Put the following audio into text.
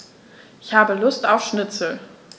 Ich habe Lust auf Schnitzel.